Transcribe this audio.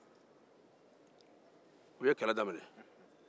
u eye kɛlɛ daminɛ